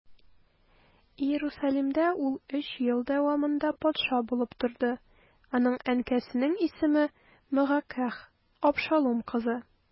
Иерусалимдә ул өч ел дәвамында патша булып торды, аның әнкәсенең исеме Мәгакәһ, Абшалум кызы.